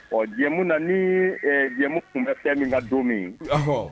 Ɔ jɛmu na ni jɛmu tun bɛ fɛn min ka don min